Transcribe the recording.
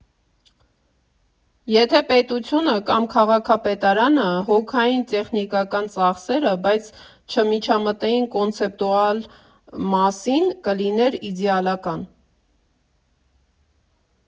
Եթե պետությունը կամ քաղաքապետարանը հոգային տեխնիկական ծախսերը, բայց չմիջամտեին կոնցեպտուալ մասին, կլիներ իդեալական։